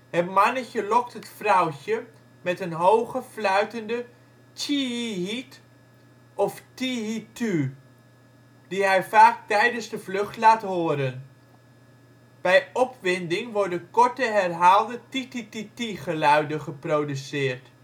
Het mannetje lokt het vrouwtje met een hoge, fluitende ' tjieieiet ' of ' tieietuu ', die hij vaak tijdens de vlucht laat horen. Bij opwinding worden korte, herhaalde ' titi-titi ' geluiden geproduceerd